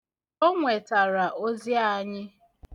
O nwetara ozi anyị.